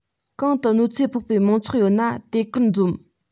གང དུ གནོད འཚེ ཕོག པའི མང ཚོགས ཡོད ན དེ གར འཛོམས